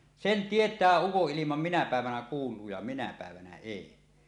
sen tietää ukonilman minä päivänä kuuluu ja minä päivänä ei